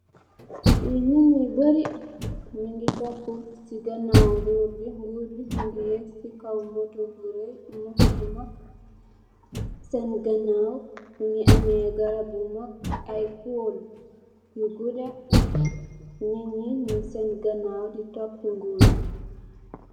Nit nyu bari nyunge topuh si ganaw ngoor bi ngoor bi mu eek si motor bu rey bu mak sen ganaw munge ame aye garap yu mak ak aye pole bi nit nyi nyung sen ganaw di topuh ngoor bi